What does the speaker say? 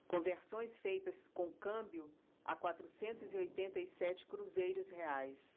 conversões feitas com câmbio a quatrocentos e oitenta e sete cruzeiros reais